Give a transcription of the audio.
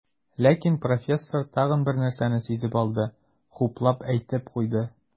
Ләкин профессор тагын бер нәрсәне сизеп алды, хуплап әйтеп куйды.